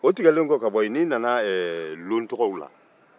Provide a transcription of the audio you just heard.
o tigɛlen kɔfɛ ka bɔ yen n'i nana ɛɛ don tɔgɔw la